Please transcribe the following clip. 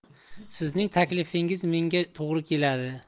sizning taklifingiz menga to'g'ri keladi